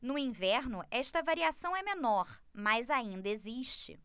no inverno esta variação é menor mas ainda existe